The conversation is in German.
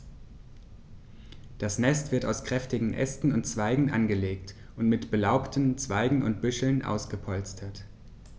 Das Nest wird aus kräftigen Ästen und Zweigen angelegt und mit belaubten Zweigen und Büscheln ausgepolstert.